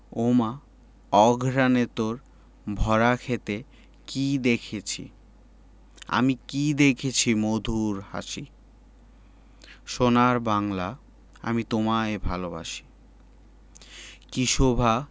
ওমা অঘ্রানে তোর ভরা ক্ষেতে কী দেখেছি আমি কী দেখেছি মধুর হাসি সোনার বাংলা আমি তোমায় ভালোবাসি কী শোভা